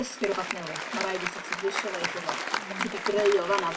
dysgu rwbath newydd ma' raid fi so't of visualeisio fo... Hmm. ...a ti 'di greu o fan 'na